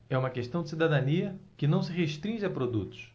é uma questão de cidadania que não se restringe a produtos